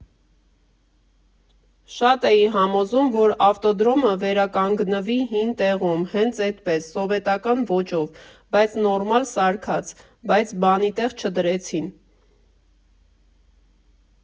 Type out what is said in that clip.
Շատ էի համոզում, որ ավտոդրոմը վերականգնվի հին տեղում՝ հենց էդպես, սովետական ոճով, բայց նորմալ սարքած, բայց բանի տեղ չդրեցին։